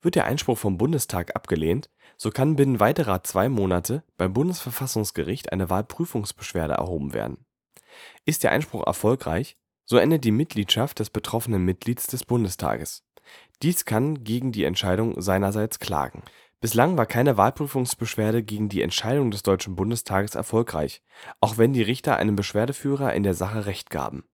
der Einspruch vom Bundestag abgelehnt, so kann binnen weiterer zwei Monate beim Bundesverfassungsgericht eine Wahlprüfungsbeschwerde erhoben werden. Ist der Einspruch erfolgreich, so endet die Mitgliedschaft des betroffenen Mitglieds des Bundestages. Dieser kann gegen die Entscheidung seinerseits klagen. Bislang war keine Wahlprüfungsbeschwerde gegen eine Entscheidung des Deutschen Bundestages erfolgreich, auch wenn die Richter einem Beschwerdeführer in der Sache Recht gaben